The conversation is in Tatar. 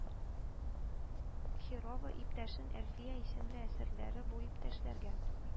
Һирова иптәшнең «әлфия» исемле әсәрләре бу иптәшләргә